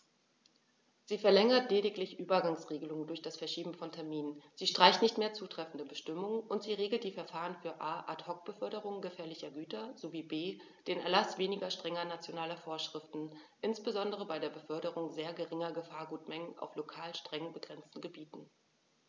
Sie verlängert lediglich Übergangsregeln durch das Verschieben von Terminen, sie streicht nicht mehr zutreffende Bestimmungen, und sie regelt die Verfahren für a) Ad hoc-Beförderungen gefährlicher Güter sowie b) den Erlaß weniger strenger nationaler Vorschriften, insbesondere bei der Beförderung sehr geringer Gefahrgutmengen auf lokal streng begrenzten Gebieten.